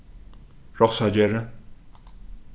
rossagerði